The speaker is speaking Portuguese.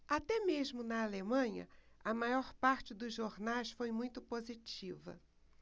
até mesmo na alemanha a maior parte dos jornais foi muito positiva